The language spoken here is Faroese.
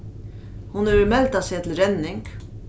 hon hevur meldað seg til renning